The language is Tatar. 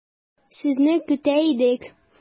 Сезне көтә идек.